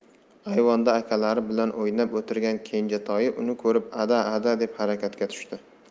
ayvonda akalari bilan o'ynab o'tirgan kenjatoyi uni ko'rib adda adda deb harakatga tushdi